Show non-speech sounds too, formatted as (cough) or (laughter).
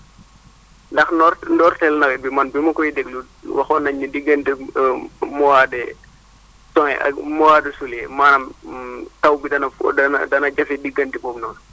ndax noort ndorteel nawet bi man bi ma koy déglu waxoon nañu ne diggante (hesitation) mois de juin ak mois de juillet maanaam (hesitation) taw bi dana dana dana jafe diggante boobu noonu